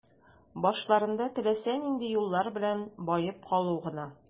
Башларында теләсә нинди юллар белән баеп калу гына.